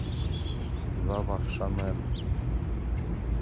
запах шанель